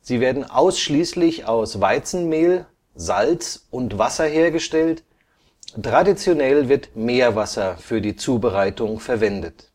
Sie werden ausschließlich aus Weizenmehl, Salz und Wasser hergestellt, traditionell wird Meerwasser für die Zubereitung verwendet